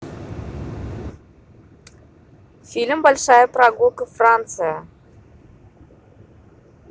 фильм большая прогулка франция